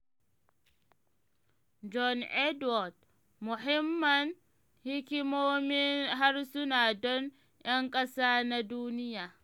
John Edward: Muhimman hikimomin harsuna don ‘yan kasa na duniya